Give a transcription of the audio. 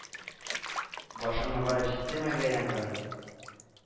Башыңа барып җиттеме, Бәйрәмгали